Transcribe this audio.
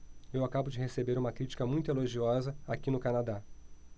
eu acabo de receber uma crítica muito elogiosa aqui no canadá